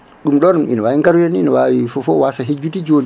ɗum ɗon ine wawi garoyenni ne wawi fofoof wasa hejjude joni